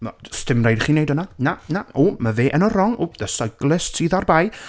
Sdim rhaid chi wneud hynna. Na, na. O, ma' fe yn y wrong. O, y cyclist sydd â'r bai.